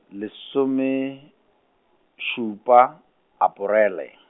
lesomešupa, Aparele.